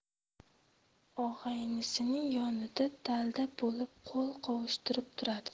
og'aynisining yonida dalda bo'lib qo'l qovushtirib turadi